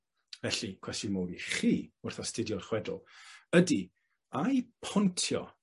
felly cwestiwn mowr i chi wrth astudio chwedl ydi a'i pontio